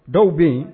Dɔw bɛ yen